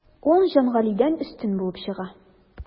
Ул Җангалидән өстен булып чыга.